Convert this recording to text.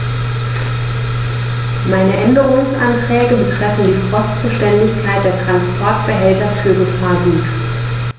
Meine Änderungsanträge betreffen die Frostbeständigkeit der Transportbehälter für Gefahrgut.